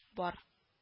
Бар